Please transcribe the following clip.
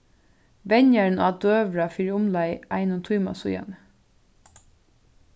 venjarin át døgurða fyri umleið einum tíma síðani